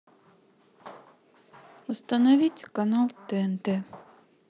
установить канал тнт